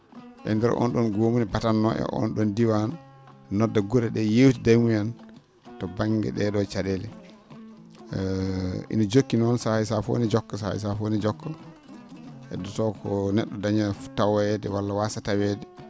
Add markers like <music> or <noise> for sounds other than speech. e ndeer on ?on goomu ene batatnoo e oon ?oon diiwaan nodda gure ?ee yeewtida e mumen to ba?nge ?ee ?oo ca?eele <hesitation> ina jokki noon sahaa e sahaa fof ne jokka sahaa e sahaa fof ne jokka heddotoo ko ne??o daña taweede walla waasa taweede